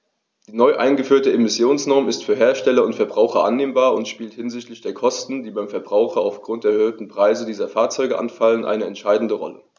Die neu eingeführte Emissionsnorm ist für Hersteller und Verbraucher annehmbar und spielt hinsichtlich der Kosten, die beim Verbraucher aufgrund der erhöhten Preise für diese Fahrzeuge anfallen, eine entscheidende Rolle.